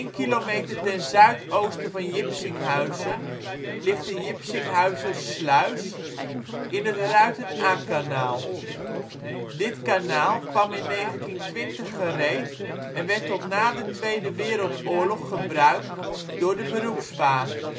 kilometer ten zuidoosten van Jipsinghuizen ligt de Jipsinghuizersluis in het Ruiten-Aa-kanaal. Dit kanaal kwam in 1920 gereed en werd tot na de tweede Wereldoorlog gebruikt door de beroepsvaart